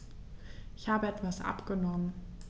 Ich habe etwas abgenommen.